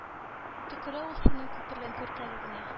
Төкерә ул синең күпергән күркәлегеңә